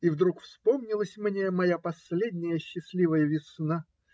И вдруг вспомнилась мне моя последняя счастливая весна.